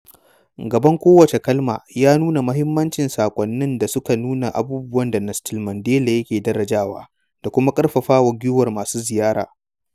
Gaban kowace kalma ya nuna muhimman saƙonnin da suka nuna abubuwan da Nelson Mandela yake darajawa da kuma ƙarfafa gwiwar masu ziyara.